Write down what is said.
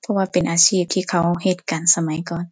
เพราะว่าเป็นอาชีพที่เขาเฮ็ดกันสมัยก่อน